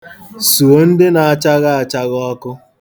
Suo ndị na-achagha achagha ọkụ.